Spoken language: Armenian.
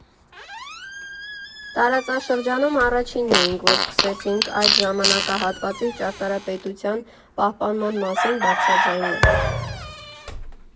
Տարածաշրջանում առաջինն էինք, որ սկսեցինք այդ ժամանակահատվածի ճարտարապետության պահպանան մասին բարձրաձայնել։